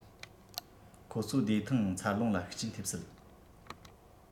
ཁོ ཚོ བདེ ཐང ངང འཚར ལོངས ལ ཤུགས རྐྱེན ཐེབས སྲིད